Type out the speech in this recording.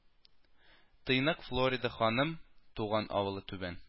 Тыйнак флорида ханым туган авылы түбән